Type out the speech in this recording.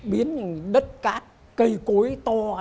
biến đất cát cây cối to